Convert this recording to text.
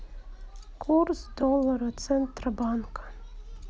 курс доллара центробанка